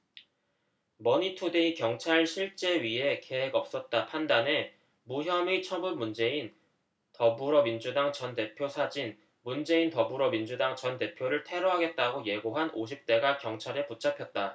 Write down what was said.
머니투데이 경찰 실제 위해 계획 없었다 판단해 무혐의 처분 문재인 더불어민주당 전 대표 사진 문재인 더불어민주당 전 대표를 테러하겠다고 예고한 오십 대가 경찰에 붙잡혔다